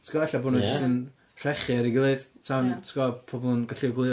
ti gwbod ella bod nhw... ia ... jyst yn rhechu ar ei gilydd tan... ia... ti'n gwbod pobl yn gallu ogleuo